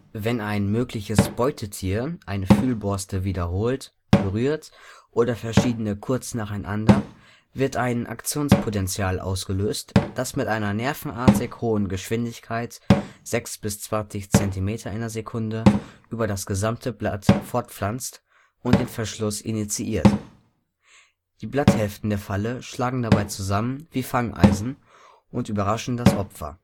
Wenn ein mögliches Beutetier eine Fühlborste wiederholt berührt oder verschiedene kurz nacheinander, wird ein Aktionspotential ausgelöst, das sich mit einer nervenartig hohen Geschwindigkeit (6 bis 20 cm/s) über das gesamte Blatt fortpflanzt und den Verschluss initiiert. Die Blatthälften der Falle schlagen dabei zusammen wie Fangeisen und überraschen das Opfer